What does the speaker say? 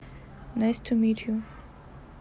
nice to meet you